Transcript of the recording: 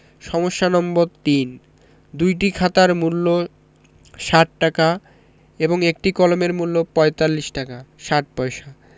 সমস্যা নম্বর ৩ দুইটি খাতার মূল্য ৬০ টাকা এবং একটি কলমের মূল্য ৪৫ টাকা ৬০ পয়সা